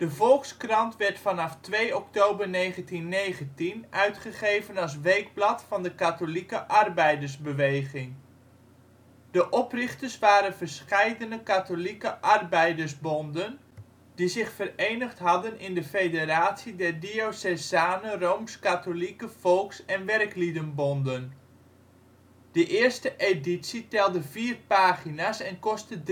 Volkskrant werd vanaf 2 oktober 1919 uitgegeven als weekblad van de katholieke arbeidersbeweging. De oprichters waren verscheidene katholieke arbeidersbonden, die zich verenigd hadden in de Federatie der Diocesane Rooms-katholieke Volks - en Werkliedenbonden. De eerste editie telde vier pagina 's en kostte